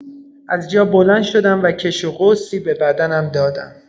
از جا بلند شدم و کش و قوسی به بدنم دادم.